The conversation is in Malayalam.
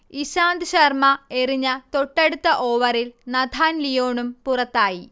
ഇശാന്ത് ശർമ എറിഞ്ഞ തൊട്ടടുത്ത ഓവറിൽ നഥാൻ ലിയോണും പുറത്തായി